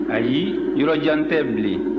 ayi yɔrɔjan tɛ bilen